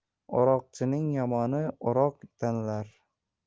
o'roqchining yomoni o'roq tanlar